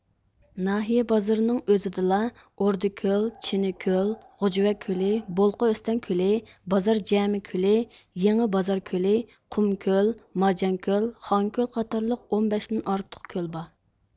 ناھىيە بازىرىنىڭ ئۆزىدىلا ئوردىكۆل چىنەكۆل غوجىۋەگ كۆلى بولقا ئۆستەڭ كۆلى بازار جەمى كۆلى يېڭى بازاركۆلى قۇمكۆل مارجانكۆل خانكۆل قاتارلىق ئون بەشتىن ئارتۇق كۆل بار